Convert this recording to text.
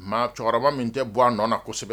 Maa cɛkɔrɔba min tɛ bɔ a nɔ na kosɛbɛ